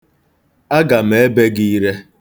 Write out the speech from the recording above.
Aga m ebe gị ire.